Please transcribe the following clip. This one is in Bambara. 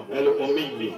Hɛrɛ n b'i di